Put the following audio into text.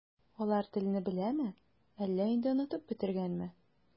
Алар телне беләме, әллә инде онытып бетергәнме?